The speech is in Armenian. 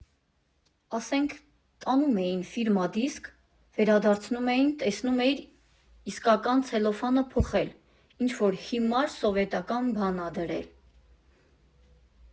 Ասենք, տանում էին ֆիրմա դիսկդ, վերադարձնում էին, տեսնում էիր՝ իսկական ցելոֆանը փոխել, ինչ֊որ հիմար սովետական բան ա դրել։